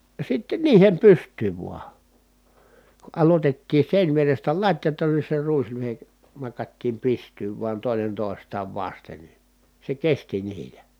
ja sitten niihin pystyyn vain kun aloitettiin seinävierestä latjata niin se ruislyhde nakattiin pystyyn vain toinen toistaan vasten niin se kesti niillä